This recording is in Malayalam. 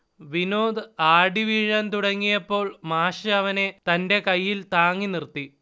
വിനോദ് ആടി വീഴാൻ തുടങ്ങിയപ്പോൾ മാഷ് അവനെ തന്റെ കയ്യിൽ താങ്ങി നിർത്തി